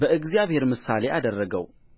በእግዚአብሔር ምሳሌ አደረገው